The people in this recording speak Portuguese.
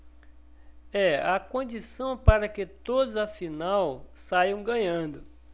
é a condição para que todos afinal saiam ganhando